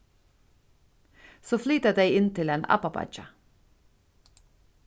so flyta tey inn til ein abbabeiggja